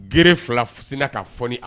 Gere fila sinna ka foni a